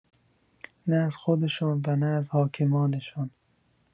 نه از خودشان و نه از حاکمان شان